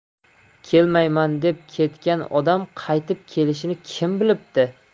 kelmayman deb ketgan odam qaytib kelishini kim bilibdi